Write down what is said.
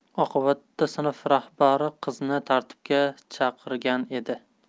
oqibatda sinf rahbari qizni tartibga chaqirgan edi